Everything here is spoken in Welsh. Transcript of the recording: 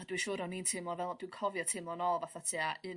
a dwi siŵr o'n i'n teimlo fel dwi cofio teimlo nôl fatha tua un